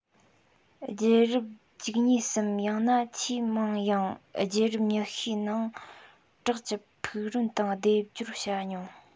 རྒྱུད རབས བཅུ གཉིས སམ ཡང ན ཆེས མང ཡང རྒྱུད རབས ཉི ཤུའི ནང བྲག གི ཕུག རོན དང སྡེབ སྦྱོར བྱ མྱོང